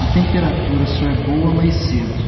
a temperatura só é boa mais cedo